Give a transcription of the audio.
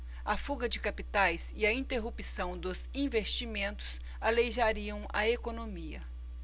a fuga de capitais e a interrupção dos investimentos aleijariam a economia